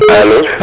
alo